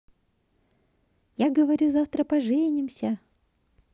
я говорю завтра поженимся